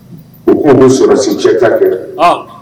U k' bɛ sɔrɔsi cɛta kɛ